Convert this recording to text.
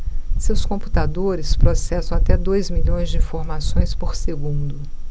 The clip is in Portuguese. seus computadores processam até dois milhões de informações por segundo